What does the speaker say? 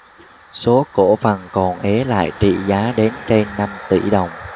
số cổ phần còn ế lại trị giá đến trên năm tỉ đồng